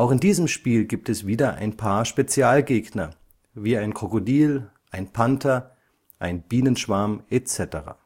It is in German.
in diesem Spiel gibt es wieder ein paar Spezialgegner, wie ein Krokodil, ein Panther, ein Bienenschwarm, etc.